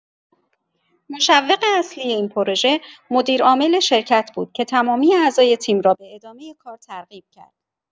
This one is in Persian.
مشوق اصلی این پروژه، مدیرعامل شرکت بود که تمامی اعضای تیم را به ادامه کار ترغیب کرد.